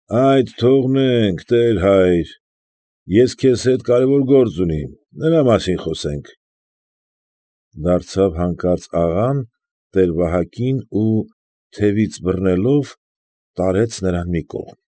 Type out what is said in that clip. Այդ թողնենք, տեր֊հայր, ես քեզ հետ հարկավոր գործ ունիմ, նրա մասին խոսենք, ֊ դարձավ հանկարծ աղան տեր֊Վահակին ու, թևից բռնելով, տարեց նրան մի կողմ։